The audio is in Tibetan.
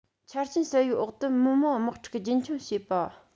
ཆ རྐྱེན གསར པའི འོག ཏུ མི དམངས དམག འཁྲུག རྒྱུན འཁྱོངས བྱེད པ